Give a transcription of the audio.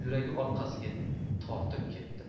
yuragi orkasiga tortib ketdi